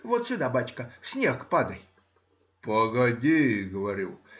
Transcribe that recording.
— Вот сюда, бачка,— в снег падай. — Погоди,— говорю.